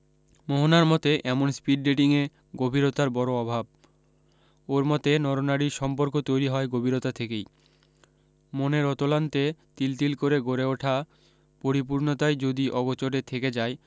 মোহনার মতে এমন স্পীড ডেটিয়ে গভীরতার বড় অভাব ওঁর মতে নরনারীর সম্পর্ক তৈরী হয় গভীরতা থেকেই মনের অতলান্তে তিল তিল করে গড়ে ওঠা পরিপূরণতাই যদি অগোচরে থেকে যায়